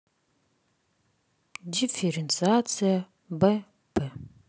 дифференциация б п